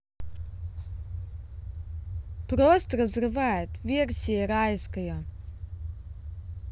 просто разрывает версия райская